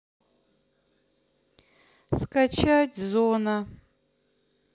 скачать зона